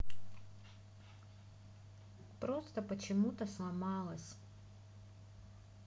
просто почему то сломалось